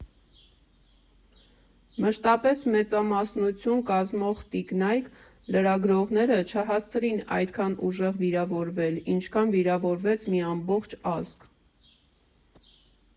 Մշտապես մեծամասնություն կազմող տիկնայք լրագրողները չհասցրին այդքան ուժեղ վիրավորվել, ինչքան վիրավորվեց մի ամբողջ ազգ.